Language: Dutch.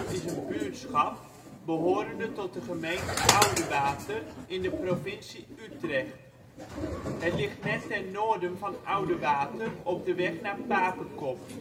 is een buurtschap behorende tot de gemeente Oudewater in de provincie Utrecht. Het ligt net ten noorden van Oudewater op de weg naar Papekop